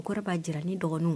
O kɔrɔ b'a jira ni dɔgɔnuw